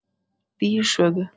دیر شده